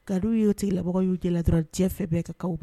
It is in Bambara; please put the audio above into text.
Ka u y'o tigi labagaw y'ujɛ la dɔrɔnrajɛ fɛ bɛɛ kɛkaw kɛ